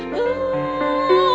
ước mơ